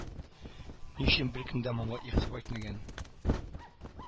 Ни өчен беркем дә моңа игътибар итмәгән